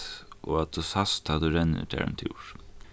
og at tú sæst tá tú rennur tær ein túr